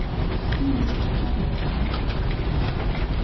музыка хорошая